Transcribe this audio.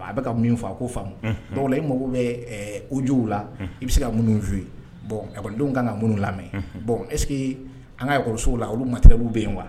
A bɛ ka min fɔ a ko faamu. Unhun. dɔnc o la i mago bɛ ɛ ɛ audio w la. Unhun. I bɛ se ka minnu vu, bon école denw bɛ se ka minnu lamɛn. Unhun. Bon an ka école sow la est-ce que olu matériel w bɛ yen?